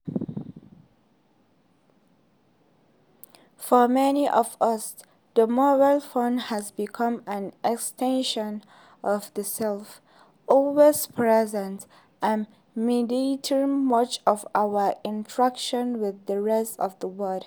For many of us, the mobile phone has become an extension of the self – always present, and mediating much of our interaction with the rest of the world.